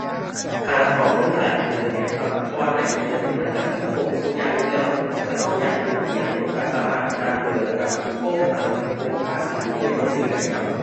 หาข้อมูลจากอินเทอร์เน็ตครับ เพราะว่าในอินเทอร์เน็ตมันก็มีครบซุอย่างอยู่แล้ว คันก็อยากรู้อิหยัง ก็ก็สามารถหาเบอร์แล้วก็โทรไปถามกับกรมภาษีอิหยังจั่งซี้ได้ครับ